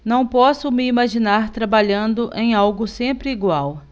não posso me imaginar trabalhando em algo sempre igual